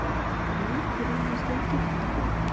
vuy qo'ling muzlab ketibdi ku